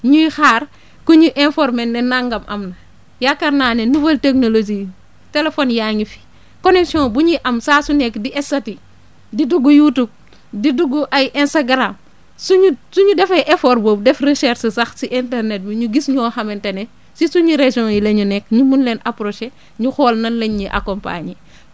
ñuy xaar ku ñuy informer ne nangam am na yaakaar naa ne nouvelle technologie yi téléphones yaa ngi fi connexion bu ñuy am saa su nekk di statut di dugg Youtube di dugg ay Instagram suñu suñu defee effort boobu def recherche sax si internet bi ñu gis ñoo xamante ne si suñu régions yi lañu nekk ñu mun leen approché ñu xool nan lañ ñuy accompagner